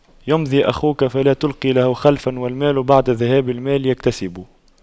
يمضي أخوك فلا تلقى له خلفا والمال بعد ذهاب المال يكتسب